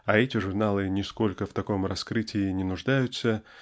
а эти журналы нисколько в таком раскрытии не нуждаются